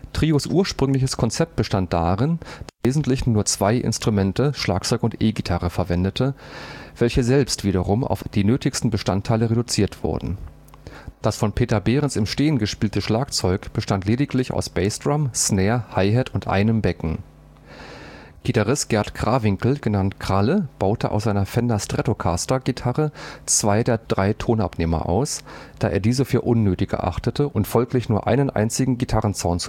Trios ursprüngliches Konzept bestand darin, dass die Band im Wesentlichen nur zwei Instrumente (Schlagzeug und E-Gitarre) verwendete, welche selbst wiederum auf die nötigsten Bestandteile reduziert wurden. Das von Peter Behrens im Stehen gespielte Schlagzeug bestand lediglich aus Bassdrum, Snare, HiHat und einem Becken. Gitarrist Gert Krawinkel (genannt „ Kralle “) baute aus seiner Fender-Stratocaster-Gitarre zwei der drei Tonabnehmer aus, da er diese für unnötig erachtete und folglich nur einen einzigen Gitarrensound